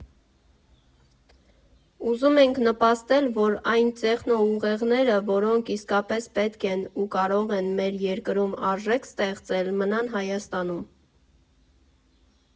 Ուզում ենք նպաստել, որ այն տեխնոուղեղները, որոնք իսկապես պետք են ու կարող են մեր երկրում արժեք ստեղծել, մնան Հայաստանում։